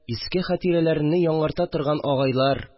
Иске хатирәләрене яңарта торган агайлар